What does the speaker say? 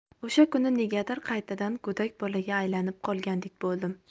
o'sha kuni negadir qaytadan go'dak bolaga aylanib qolgandek bo'ldim